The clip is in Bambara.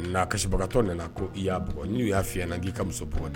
N' kasibagatɔ nana ko i y'a n'u y'a fiina n' ka musoug na